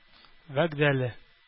Вәгъдәле